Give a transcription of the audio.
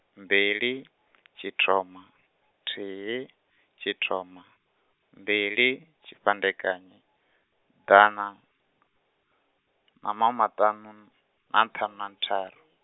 mbili, tshithoma, thihi, tshithoma, mbili, tshifhandekanyi, ḓana, na mahumimaṱanu, na ṱhanu na ṱharu.